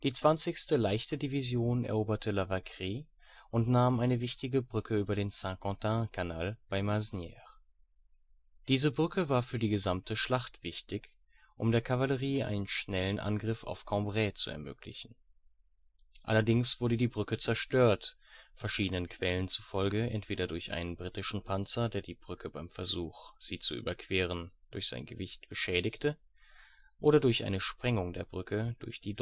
20. leichte Division eroberte La Vacquerie und nahm eine wichtige Brücke über den St.-Quentin-Kanal bei Masnieres. Diese Brücke war für die gesamte Schlacht wichtig, um der Kavallerie einen schnellen Angriff auf Cambrai zu ermöglichen. Allerdings wurde die Brücke zerstört; verschiedenen Quellen zufolge entweder durch einen britischen Panzer, der die Brücke beim Versuch, sie zu überqueren, durch sein Gewicht beschädigte, oder durch eine Sprengung der Brücke durch die